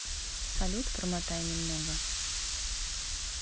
салют промотай немного